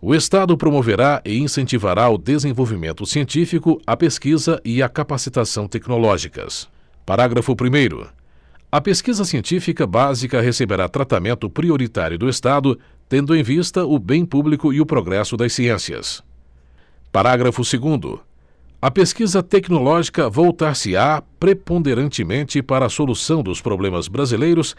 o estado promoverá e incentivará o desenvolvimento científico a pesquisa e a capacitação tecnológicas parágrafo primeiro a pesquisa científica básica receberá tratamento prioritário do estado tendo em vista o bem público e o progresso das ciências parágrafo segundo a pesquisa tecnológica voltar se á preponderantemente para a solução dos problemas brasileiros